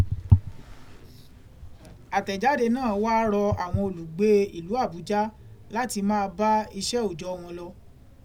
Àtẹ̀jáde náà wá rọ àwọn olùgbé ìlú Àbújá láti máa bá iṣẹ́ òòjọ́ wọn lọ.